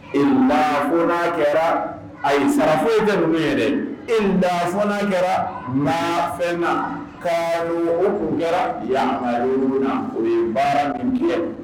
In daf kɛra a ye sarafo tɛ numu yɛrɛ in da kɛra mafɛn na kanu tun kɛra yangaurununa u ye baara min tile